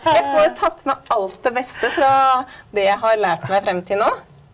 jeg får jo tatt med alt det beste fra det jeg har lært meg frem til nå.